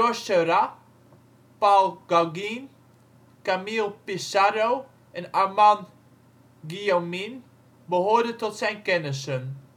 Seurat, Paul Gauguin, Camille Pissarro en Armand Guillaumin behoorden tot zijn kennissen